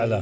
ala